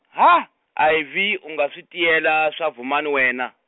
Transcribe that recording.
ha, Ivy u nga swi tiyela swa Vhumani wena?